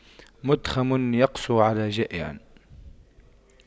مُتْخَمٌ يقسو على جائع